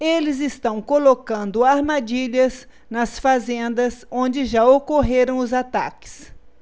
eles estão colocando armadilhas nas fazendas onde já ocorreram os ataques